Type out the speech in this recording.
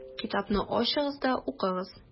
Китапны ачыгыз да укыгыз: